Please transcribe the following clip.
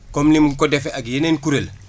comme ni mu ko defee ak yeneen kuréel